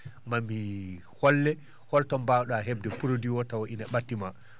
maa mi holle holto mbawɗa heɓde produit taw ina ɓatti maa